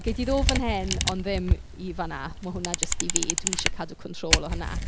Gei di ddod fan hyn ond ddim i fan'na. Mae hwnna jyst i fi. Dwi isie cadw control o hynna.